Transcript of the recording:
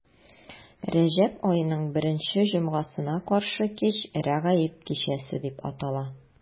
Рәҗәб аеның беренче җомгасына каршы кич Рәгаиб кичәсе дип атала.